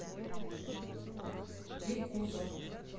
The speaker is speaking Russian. yakuza